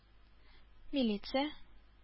Милиция